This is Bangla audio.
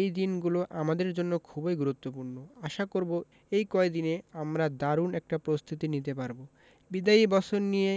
এই দিনগুলো আমাদের জন্য খুবই গুরুত্বপূর্ণ আশা করব এই কয়দিনে আমরা দারুণ একটা প্রস্তুতি নিতে পারব বিদায়ী বছর নিয়ে